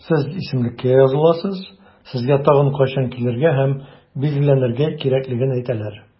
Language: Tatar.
Сез исемлеккә языласыз, сезгә тагын кайчан килергә һәм билгеләнергә кирәклеген әйтәләр.